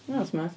O smart.